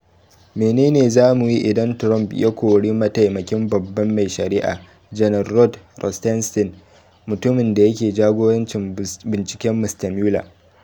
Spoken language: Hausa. Menene za mu yi idan Mr. Trump ya kori mataimakin Babban mai Shari'a Janar Rod Rosenstein, mutumin da yake jagorancin binciken Mr. Mueller?